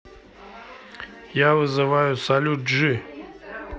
я вызываю салют джи